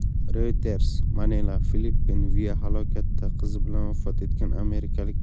reuters manila filippinaviahalokatda qizi bilan vafot etgan amerikalik